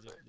mbéy